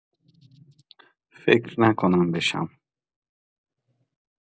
فک نکنم بشم